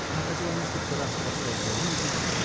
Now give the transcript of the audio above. она хотела несколько раз послать за Лизой